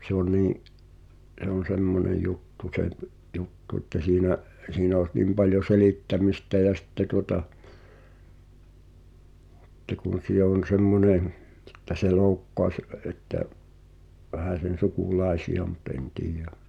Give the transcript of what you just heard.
se on niin se on semmoinen juttu se - juttu että siinä siinä olisi niin paljon selittämistä ja sitten tuota sitten kun siellä on semmoinen että se loukkaisi - että vähäsen sukulaisia mutta en tiedä